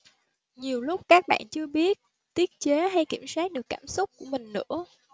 nhiều lúc các bạn chưa biết tiết chế hay kiểm soát được cảm xúc của mình nữa